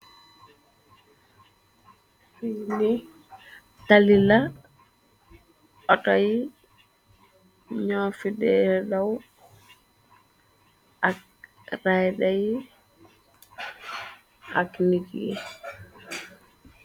Fini talila auto yi ñoo fideer daw ak rayda yi ak nigg yi.